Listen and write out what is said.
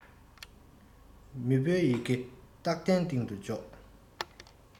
མི ཕོའི ཡི གེ སྟག གདན སྟེང དུ འཇོག